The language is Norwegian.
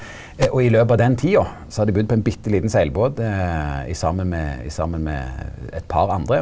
og i løpet av den tida så hadde eg budd på ein bitte liten seglbåt i saman med i saman med eit par andre.